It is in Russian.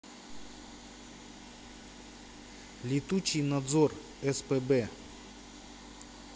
летучий надзор спб